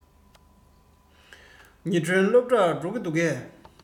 ཉི སྒྲོན སློབ གྲྭར འགྲོ གི འདུག གས